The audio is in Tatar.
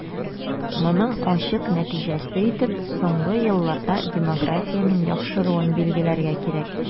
Моның ачык нәтиҗәсе итеп соңгы елларда демографиянең яхшыруын билгеләргә кирәк.